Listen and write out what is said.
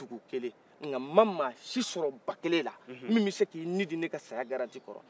dugu kelen nka n ma maa si sɔrɔ ba kelen na min bɛ se k'i ni di ne ka saya garanti kɔrɔ